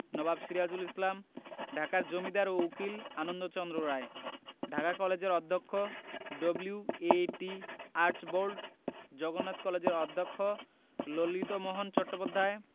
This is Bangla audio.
নবাব সিরাজুল ইসলাম ঢাকার জমিদার ও উকিল আনন্দচন্দ্র রায় ঢাকা কলেজের অধ্যক্ষ ডব্লিউ.এ.টি আর্চবোল্ড জগন্নাথ কলেজের অধ্যক্ষ ললিতমোহন চট্টোপাধ্যায়